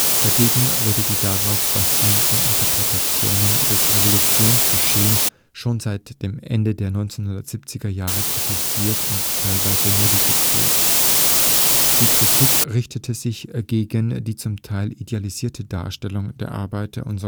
Dagegen wurden die darauf basierenden Interpretationen des Revolutionsgeschehens schon seit dem Ende der 1970er Jahre kritisiert und teilweise modifiziert. Die Kritik richtete sich gegen die zum Teil idealisierte Darstellung der Arbeiter - und